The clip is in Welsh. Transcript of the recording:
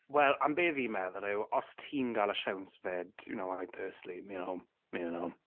Wel, am be fi'n meddwl yw, os ti'n gael y siawns 'fyd. You know, I personally... you know, you know...